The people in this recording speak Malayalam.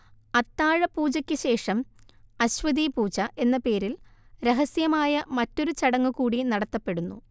അത്താഴപൂജക്ക് ശേഷം അശ്വതീപൂജ എന്ന പേരിൽ രഹസ്യമായ മറ്റൊരു ചടങ്ങൂകൂടി നടത്തപ്പെടുന്നു